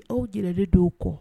Aw jiralen dɔw kɔ